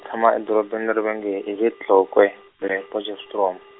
tshama edorobeni leri ve nge hi le Tlokwe, be ra Potchefstroom.